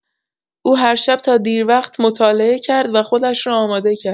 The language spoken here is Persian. او هر شب تا دیر وقت مطالعه کرد و خودش را آماده کرد.